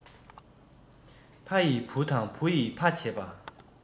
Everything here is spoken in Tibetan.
ཕ ཡིས བུ དང བུ ཡིས ཕ བྱེད པ